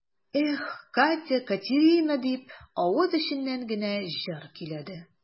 Эх, Катя-Катерина дип, авыз эченнән генә җыр көйләде.